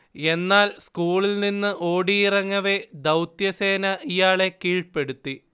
എന്നാൽ, സ്കൂളിൽനിന്ന് ഓടിയിറങ്ങവെ, ദൗത്യസേന ഇയാളെ കീഴ്പ്പെടുത്തി